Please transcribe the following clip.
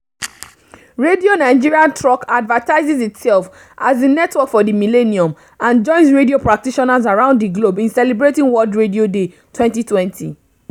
Radio Nigeria truck advertises itself as "the network for the millennium," and joins radio practitioners around the globe in celebrating World Radio Day 2020.